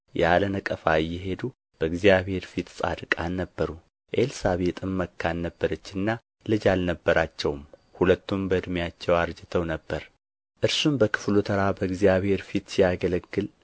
ያለ ነቀፋ እየሄዱ በእግዚአብሔር ፊት ጻድቃን ነበሩ ኤልሳቤጥም መካን ነበረችና ልጅ አልነበራቸውም ሁለቱም በዕድሜያቸው አርጅተው ነበር እርሱም በክፍሉ ተራ በእግዚአብሔር ፊት ሲያገለግል